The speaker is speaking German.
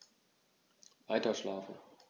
Weiterschlafen.